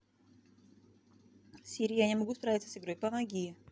сири я не могу справиться с игрой помоги